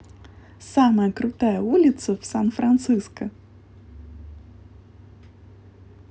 самая крутая улица в сан франциско